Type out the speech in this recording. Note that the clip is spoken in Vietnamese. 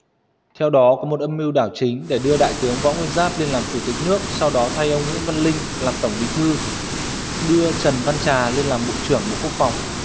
theo đó có một âm mưu đảo chính để đưa đại tướng võ nguyên giáp lên làm chủ tịch nước sau đó thay ông nguyễn văn linh làm tổng bí thư đưa trần văn trà lên làm bộ trưởng bộ quốc phòng